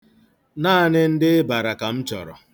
Naanị ndị ịbara ka m chọrọ.